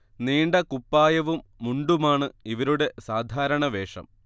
നീണ്ട കുപ്പായവും മുണ്ടുമാണ് ഇവരുടെ സാധാരണ വേഷം